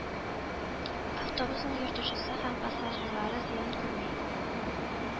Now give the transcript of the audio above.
Автобусның йөртүчесе һәм пассажирлары зыян күрми